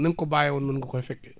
na nga ko bàyyeewoon noonu nga koy fekkee